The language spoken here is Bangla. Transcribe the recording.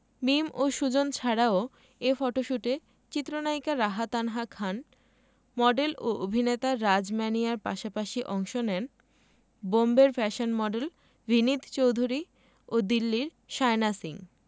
মিম ও সুজন ছাড়াও ছাড়াও এ ফটোশ্যুটে চিত্রনায়িকা রাহা তানহা খান মডেল ও অভিনেতা ও রাজ ম্যানিয়ার পাশাপাশি অংশ নেন বোম্বের ফ্যাশন মডেল ভিনিত চৌধুরী ও দিল্লির শায়না সিং